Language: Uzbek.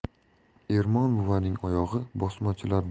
ermon buvaning oyog'i bosmachilar